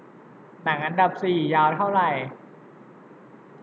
หนังอันดับสี่ยาวเท่าไหร่